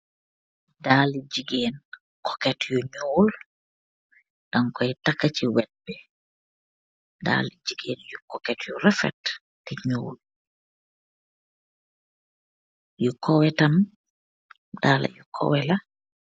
dali jigeen yuu koket yuu nyeoul.